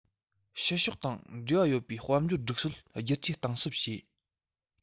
ཕྱི ཕྱོགས དང འབྲེལ བ ཡོད པའི དཔལ འབྱོར སྒྲིག སྲོལ བསྒྱུར བཅོས གཏིང ཟབ བྱས